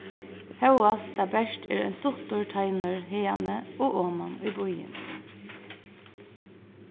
hóast tað bert er ein stuttur teinur haðani og oman í býin